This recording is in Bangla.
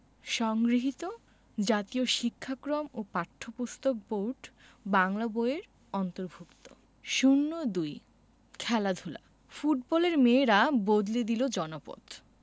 সংগৃহীত জাতীয় শিক্ষাক্রম ও পাঠ্যপুস্তক বোর্ড বাংলা বই এর অন্তর্ভুক্ত ০২ খেলাধুলা ফুটবলের মেয়েরা বদলে দিল জনপদ